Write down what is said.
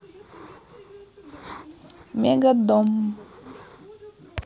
мегадом